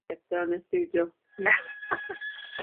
Eto yn y stiwdio.